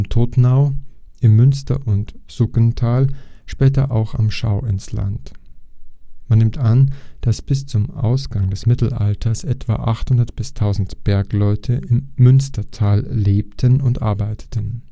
Todtnau, im Münster - und Suggental, später auch am Schauinsland. Man nimmt an, dass bis zum Ausgang des Mittelalters etwa 800 – 1000 Bergleute im Münstertal lebten und arbeiteten